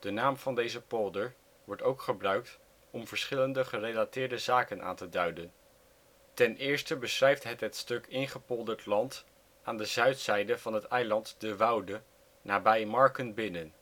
naam van deze polder wordt ook gebruikt om verschillende gerelateerde zaken aan te duiden. Ten eerste beschrijft het het stuk ingepolderd land aan de zuidzijde van het eiland de Woude nabij Markenbinnen